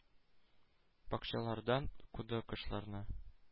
Бакчалардан куды кошларны,